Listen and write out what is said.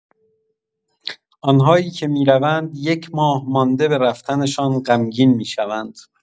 آن‌هایی که می‌روند، یک ماه مانده به رفتنشان غمگین می‌شوند.